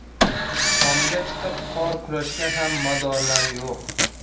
tomga chiqib qor kurashga ham madorlari yo'q